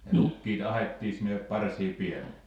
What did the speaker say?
ne rukiit ahdettiin sinne parsien päälle